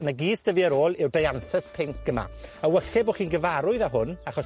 'Na gyd s'da fi ar ôl yw'r Dianthus pinc yma. A walle bo' chi'n gyfarwydd â hwn, achos